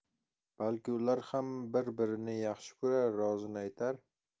balki ular ham bir birini yaxshi ko'rar rozini aytar